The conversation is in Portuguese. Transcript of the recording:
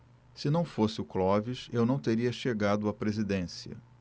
se não fosse o clóvis eu não teria chegado à presidência